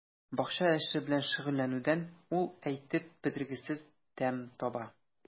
Бакча эше белән шөгыльләнүдән ул әйтеп бетергесез тәм таба.